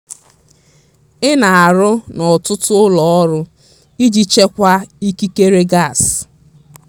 GV: Ị na-arụ n'ọtụtụ ụlọ ọrụ iji chekwa ikikere gasị.